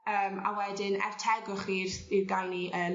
yym a wedyn er tegwch i'r i'r guyney yy...